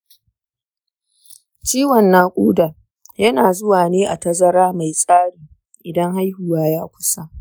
ciwon naƙuda yana zuwa ne a tazara mai tsari idan haihuwa ya kusa.